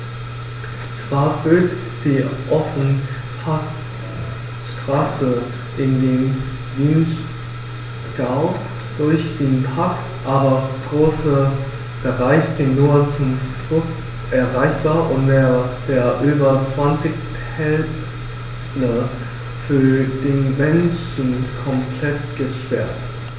Zwar führt die Ofenpassstraße in den Vinschgau durch den Park, aber große Bereiche sind nur zu Fuß erreichbar und mehrere der über 20 Täler für den Menschen komplett gesperrt.